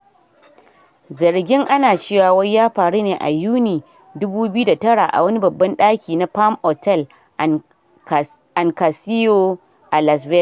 Zargin ana cewa wai ya faru ne a Yuni 2009 a wani babban ɗaki na Palm Otel and Casino a Las Vegas.